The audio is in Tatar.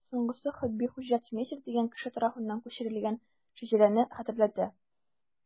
Соңгысы Хөббихуҗа Тюмесев дигән кеше тарафыннан күчерелгән шәҗәрәне хәтерләтә.